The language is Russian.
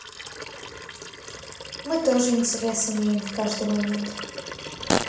мы тоже интерес имеем в каждый момент